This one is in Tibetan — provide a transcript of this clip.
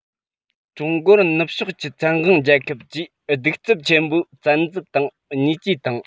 ཀྲུང གོར ནུབ ཕྱོགས ཀྱི བཙན དབང རྒྱལ ཁབ ཀྱིས གདུག རྩུབ ཆེན པོས བཙན འཛུལ དང བརྙས བཅོས བཏང